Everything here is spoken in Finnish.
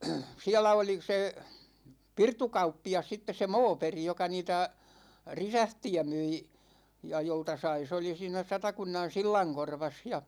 siellä oli se pirtukauppias sitten se Moberg joka niitä reseptiä myi ja jolta sai se oli siinä Satakunnan sillankorvassa ja